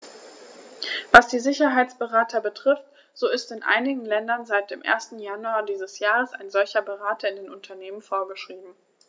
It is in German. Was die Sicherheitsberater betrifft, so ist in einigen Ländern seit dem 1. Januar dieses Jahres ein solcher Berater in den Unternehmen vorgeschrieben.